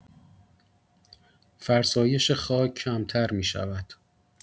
فرسایش خاک کمتر می‌شود.